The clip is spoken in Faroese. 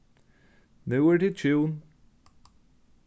nú eru tit hjún